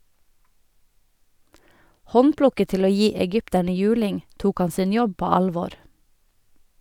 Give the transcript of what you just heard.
Håndplukket til å gi egypterne juling, tok han sin jobb på alvor.